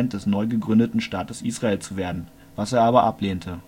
des neu gegründeten Staates Israel zu werden, was er aber ablehnte